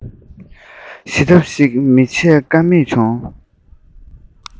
ཞིབ ལྟ ཞིག མི བྱེད ཀ མེད བྱུང